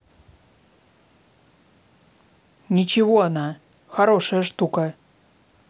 ничего на хорошая штука